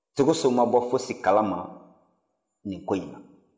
togoso ma bɔ fosi kala ma nin ko in na